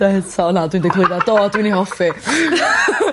Byth eto. Na dwi'n dweu celwydda. Do dwi'n 'i hoffi.